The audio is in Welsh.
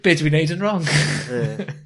...be dw i'n neud yn rong. Ie.